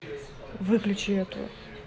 выключи эту